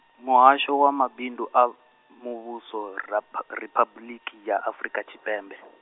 Muhasho wa Mabindu a, Muvhuso Rapa- Riphabuḽiki ya Afrika Tshipembe.